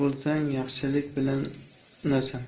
bo'lsang yaxshilik bilan unasan